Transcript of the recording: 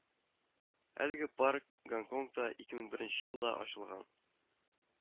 Әлеге парк Гонконгта ике мең беренче елда ачылган